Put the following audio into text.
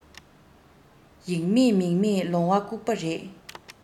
ཡིག མེད མིག མེད ལོང བ སྐུགས པ རེད